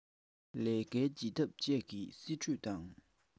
ལས ཀའི བྱེད ཐབས བཅས སི ཁྲོན དང